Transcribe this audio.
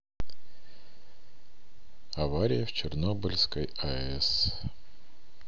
авария в чернобыльская аэс